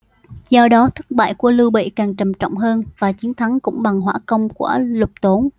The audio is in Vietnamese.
do đó thất bại của lưu bị càng trầm trọng hơn và chiến thắng cũng bằng hỏa công của lục tốn